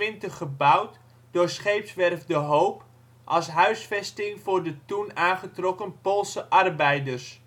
1920 gebouwd door Scheepswerf De Hoop als huisvesting voor de toen aangetrokken Poolse arbeiders.